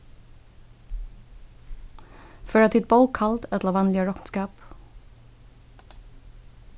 føra tit bókhald ella vanligan roknskap